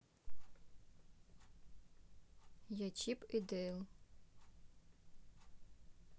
я чип и дейл